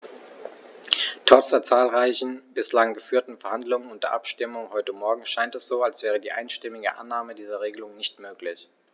Trotz der zahlreichen bislang geführten Verhandlungen und der Abstimmung heute Morgen scheint es so, als wäre die einstimmige Annahme dieser Regelung nicht möglich.